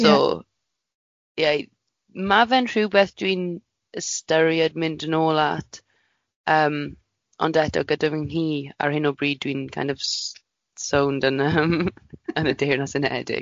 So ie ma' fe'n rhywbeth dwi'n ystyried mynd yn ôl at yym ond eto gyda fy nghi ar hyn o bryd dwi'n kind of s- sownd yn yym yn y Deyrnas Unedig.